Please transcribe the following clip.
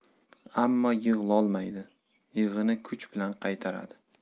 ammo yig'lolmaydi yig'ini kuch bilan qaytaradi